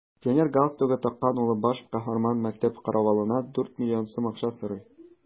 Пионер галстугы таккан улы баш каһарманнан мәктәп каравылына дүрт миллион сум акча сорый.